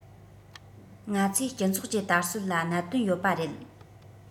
ང ཚོས སྤྱི ཚོགས ཀྱི དར སྲོལ ལ གནད དོན ཡོད པ རེད